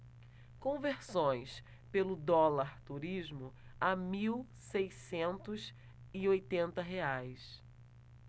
conversões pelo dólar turismo a mil seiscentos e oitenta reais